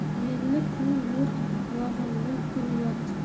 yelli kun yo'rt yog'inli kun yot